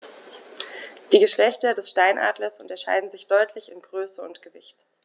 Die Geschlechter des Steinadlers unterscheiden sich deutlich in Größe und Gewicht.